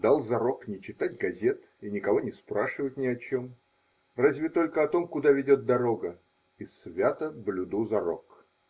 Дал зарок не читать газет и никого не спрашивать ни о чем, разве только о том, куда ведет дорога, и свято блюду зарок.